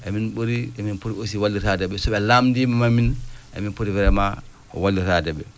emin ɓuri emin poti aussi walliraade ɓe so ɓe laamndiima min emin poti vraiment walliraade ɓe